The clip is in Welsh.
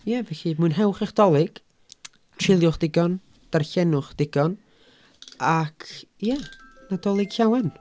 Ie, felly, mwynhewch eich Dolig. Tsiliwch digon. Darllenwch digon. Ac , ia, Nadolig Llawen.